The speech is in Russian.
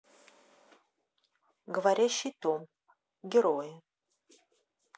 говорящий том герои